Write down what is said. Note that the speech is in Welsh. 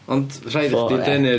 Ond rhaid i chdi dynnu'r...